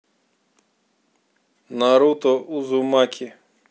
наруто узумаки